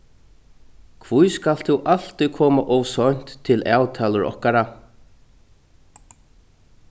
hví skalt tú altíð koma ov seint til avtalur okkara